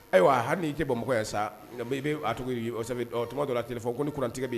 Ayiwa hali n'i kɛ bɔmɔgɔ yan sa i bɛ tigi tuma don a fɔ ko kuntigibi yen